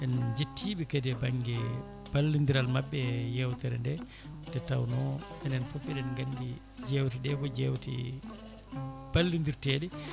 en jettiɓe kadi e banggue ballodiral mabɓe e yewtere nde nde tawno enen foof eɗen gandi jewteɗe ko jewte ballodirteɗe